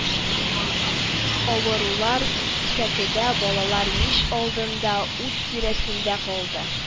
Авырулар сәкедә, балалар мич алдында, ут тирәсендә калды